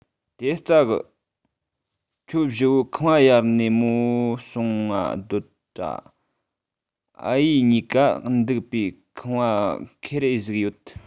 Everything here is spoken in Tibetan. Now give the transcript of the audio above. དེ སྩ གི ཁྱོད བཞི བོ ཁང བ ཡར སྣེ མོ སོང ང སྡོད དྲ ཨ ཡེས གཉིས ཀ འདུག སའི ཁང བ ཁེར རེ ཟིག ཡོད